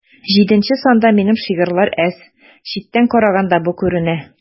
Җиденче санда минем шигырьләр аз, читтән караганда бу күренә.